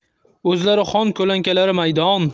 o'zlari xon ko'lankalari maydon